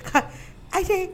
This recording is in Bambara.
A ayi